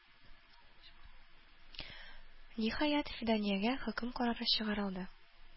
Ниһаять, Фиданиягә хөкем карары чыгарылды.